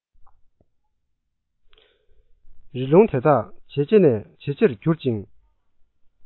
རི ཀླུང དེ དག ཇེ ཆེ ནས ཇེ ཆེར གྱུར ཅིང